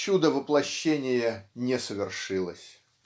Чуда воплощения не совершилось.